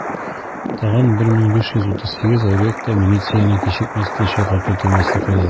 Тагын 1538 объектта милицияне кичекмәстән чакырту төймәсе куелган.